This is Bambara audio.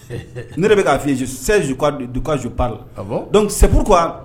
Ne yɛrɛ bɛ k'a fyesikasoo la dɔncuru qu